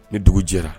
Ni dugu jɛra